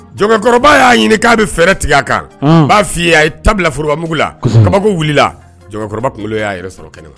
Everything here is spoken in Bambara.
Cɛkɔrɔba y'a ɲini k' a bɛ fɛɛrɛ tigɛ a kan b'a f' i ye a ye tabila foroorobamugu la kaba wulila y'a yɛrɛ sɔrɔ kɛnɛ